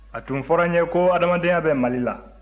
a tun fɔra n ye ko hadamadenya bɛ mali la